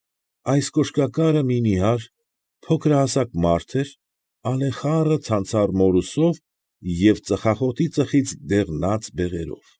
Այդ կոշկակարը մի նիհար, փոքրահասակ մարդ էր, ալեխառը, ցանցառ մորուսով և ծխախոտի ծխից դեղնած բեղերով։